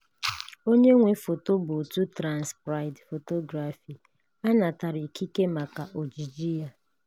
Onye Nwe Foto bụ Òtù Trans Pride Photography, a natara ikike maka ojiji ya.